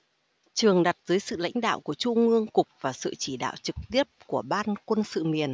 trường đặt dưới sự lãnh đạo của trung ương cục và sự chỉ đạo trực tiếp của ban quân sự miền